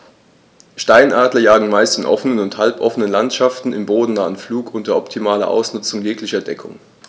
Steinadler jagen meist in offenen oder halboffenen Landschaften im bodennahen Flug unter optimaler Ausnutzung jeglicher Deckung.